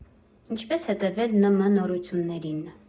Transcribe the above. Ինչպե՞ս հետևել ՆՄ նորություններին։